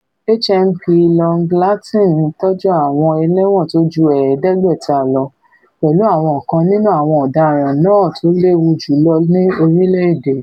HMP Long Lartin ń tọ́jú àwọn ẹlẹ́wọn tóju ẹ̀ẹ́dẹ̀gbẹ̀ta lọ, pẹ̀lú àwọn kan nínú àwọn ọ̀daràn náà tóléwu jùlọ ní orílẹ̀-èdè.